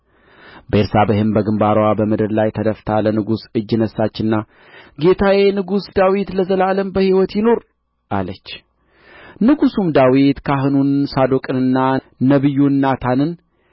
ቤርሳቤህም በግምባርዋ በምድር ላይ ተደፍታ ለንጉሡ እጅ ነሣችና ጌታዬ ንጉሥ ዳዊት ለዘላለም በሕይወት ይኑር አለች ንጉሡም ዳዊት ካህኑን ሳዶቅንና ነቢዩን ናታንን